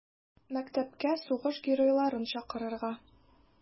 Мәктәпкә сугыш геройларын чакырырга.